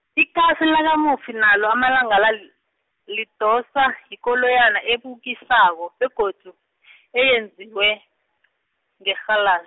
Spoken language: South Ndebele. ikasi likamufi nalo amalanga la l-, lidoswa yikoloyana ebukisako begodu , eyenziwe ngerhala-.